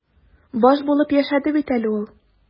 Баш булып яшәде бит әле ул.